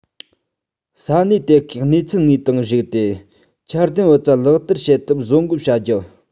ས གནས དེ གའི གནས ཚུལ དངོས དང གཞིགས ཏེ འཆར ལྡན བུ བཙའ ལག བསྟར བྱེད ཐབས བཟོ འགོད བྱ རྒྱུ